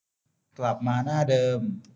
กลับมาหน้าเดิม